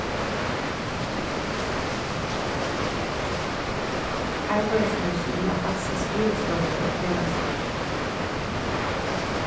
arbeiðið snýr seg um at vaska skrivstovur og felagsøki